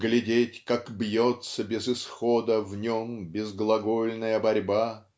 Глядеть, как бьется без исхода В нем безглагольная борьба!